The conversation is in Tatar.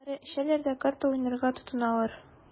Аннары эчәләр дә карта уйнарга тотыналар.